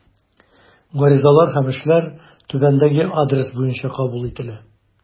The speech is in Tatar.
Гаризалар һәм эшләр түбәндәге адрес буенча кабул ителә.